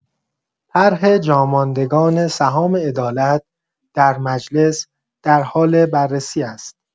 طرح جاماندگان سهام عدالت در مجلس در حال بررسی است.